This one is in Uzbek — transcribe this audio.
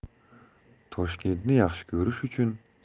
toshkentni yaxshi ko'rish uchun